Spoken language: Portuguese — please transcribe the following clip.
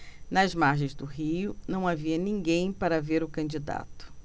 nas margens do rio não havia ninguém para ver o candidato